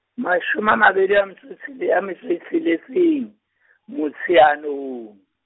mashome a mabedi a metso le, a metso e tsheletseng , Motsheanong.